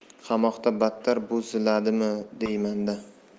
qamoqda battar bu ziladimi deyman da